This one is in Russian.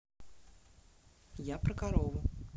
я про корову